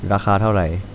ราคาเท่าไร